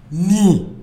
Mun